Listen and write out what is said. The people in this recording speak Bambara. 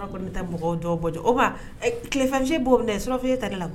Tile ta la